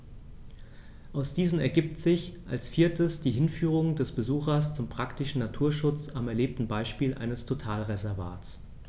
Aus diesen ergibt sich als viertes die Hinführung des Besuchers zum praktischen Naturschutz am erlebten Beispiel eines Totalreservats.